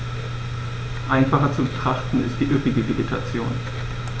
Einfacher zu betrachten ist die üppige Vegetation.